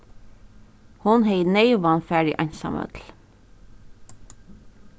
hon hevði neyvan farið einsamøll